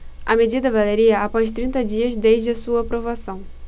a medida valeria após trinta dias desde a sua aprovação